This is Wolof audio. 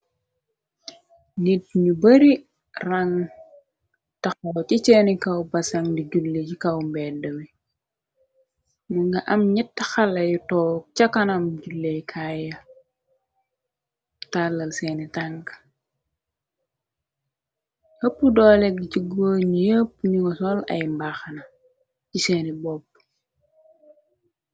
nit ñu bari rang taxoo ci seeni kaw basaŋg di jule ci kaw mben demi mu nga am ñett xalayu toog ca kanam julle kaaya tàllal seeni tank ëpp doolegi ci goo ñu yépp ñu nga sol ay mbaaxana ci seeni bopp